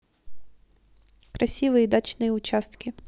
красивые дачные участки